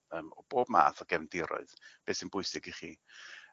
yym o bob math o gefndiroedd be' sy'n bwysig i chi.